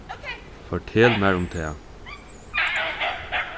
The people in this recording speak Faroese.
fortel mær um tað